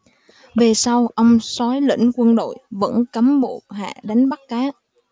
về sau ông soái lĩnh quân đội vẫn cấm bộ hạ đánh bắt cá